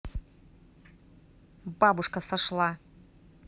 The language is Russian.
бабушка сошла